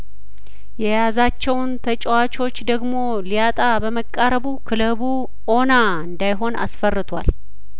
የያዛቸውን ተጫዋቾች ደግሞ ሊያጣ በመቃረቡ ክለቡ ኦና እንዳይሆን አስፈርቷል